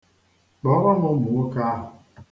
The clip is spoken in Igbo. Kpọọrọ m ụmụ nwoke ahụ.